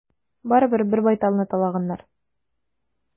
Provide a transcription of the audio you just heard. Барыбер, бер байталны талаганнар.